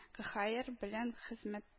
КэХаэР белән хезмәт